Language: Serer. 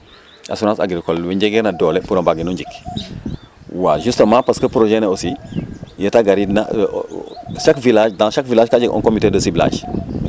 assurance agricole we njegeer na dole pour a mbagin o jik waaw justement projet ne ausi yee ta garidna chaque village dans chaque village ka jeg un comité de siblage